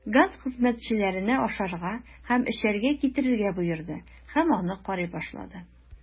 Ганс хезмәтчеләренә ашарга һәм эчәргә китерергә боерды һәм аны карый башлады.